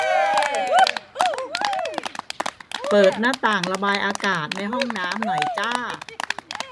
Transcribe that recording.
เปิดหน้าต่างระบายอากาศในห้องน้ำหน่อยจ้า